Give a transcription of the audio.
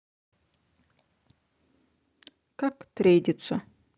как трейдиться